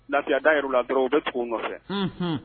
Lafiya da yɛrɛ la dɔrɔn u bɛ tugu nɔfɛ